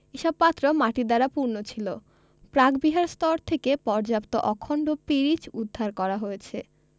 এসব পাত্র মাটি দ্বারা পূর্ণ ছিল প্রাকবিহার স্তর থেকে পর্যাপ্ত অখন্ড পিরিচ উদ্ধার করা হয়েছে